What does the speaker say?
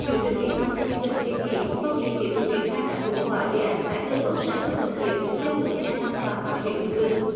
chủ tịch ủy ban nhân dân tỉnh đề nghị phong điền tiếp tục triển khai có hiệu quả đề án tái cơ cấu sản xuất nông nghiệp theo hướng gia tăng và phát triển bền vững